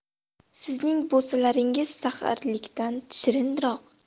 sizning bo'salaringiz saharlikdan shirinroq